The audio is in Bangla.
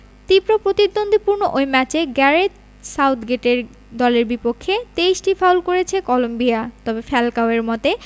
তীব্র প্রতিদ্বন্দ্বিপূর্ণ ওই ম্যাচে গ্যারেথ সাউথগেটের দলের বিপক্ষে ২৩টি ফাউল করেছে কলম্বিয়া তবে ফ্যালকাওয়ের মতে